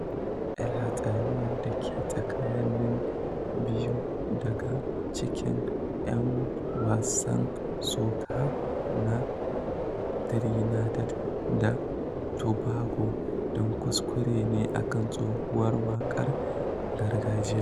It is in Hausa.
Yar hatsaniyar da ke tsakanin biyu daga cikin 'yan wasan soca na Trinidad da Tobago ɗan kuskure ne akan tsohuwar waƙar gargajiya